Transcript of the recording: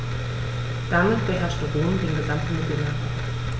Damit beherrschte Rom den gesamten Mittelmeerraum.